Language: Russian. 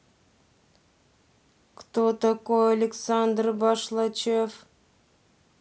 кто такой александр башлачев